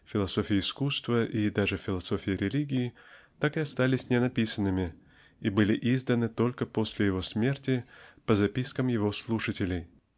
философия искусства и даже философия религии так и остались им ненаписанными и были изданы только после его смерти по запискам его слушателей.